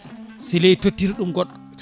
Sileye tottira ɗum goɗɗo